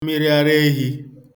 mmiriaraehī